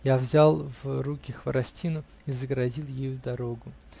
Я взял в руки хворостину и загородил ею дорогу.